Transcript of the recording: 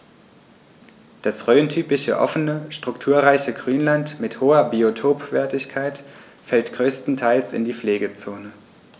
Das rhöntypische offene, strukturreiche Grünland mit hoher Biotopwertigkeit fällt größtenteils in die Pflegezone.